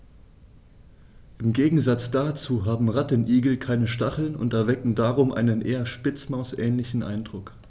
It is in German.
Im Gegensatz dazu haben Rattenigel keine Stacheln und erwecken darum einen eher Spitzmaus-ähnlichen Eindruck.